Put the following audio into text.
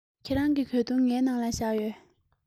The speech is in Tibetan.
ཁྱེད རང གི གོས ཐུང ངའི ནང ལ བཞག ཡོད